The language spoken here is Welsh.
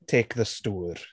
Take the stŵr.